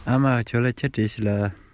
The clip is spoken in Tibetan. ཅེས དྲིས པ ལ ཨ མས